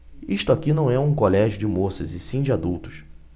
isto aqui não é um colégio de moças e sim de adultos